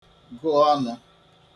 gụ ọnụ̄